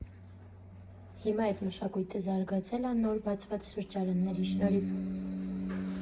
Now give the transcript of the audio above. Հիմա էդ մշակույթը զարգացել ա նոր բացված սրճարանների շնորհիվ։